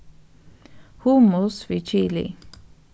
hummus við kili